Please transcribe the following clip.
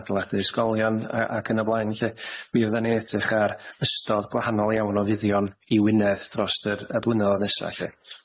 adeiladu ysgolion yy ac yn y blaen lly, mi fyddwn ni'n edrych ar ystod gwahanol iawn o fuddion i Wynedd drost yr yy blynyddoedd nesa lly.